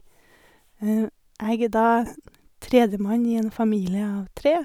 Jeg er da tredjemann i en familie av tre.